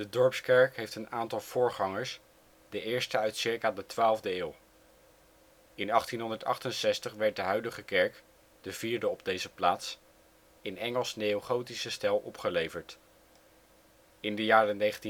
Dorpskerk heeft een aantal voorgangers, de eerste uit circa de 12e eeuw. In 1868 werd de huidige kerk, de vierde op deze plaats, in Engels Neogotische stijl opgeleverd. In de jaren 1955-1958 is de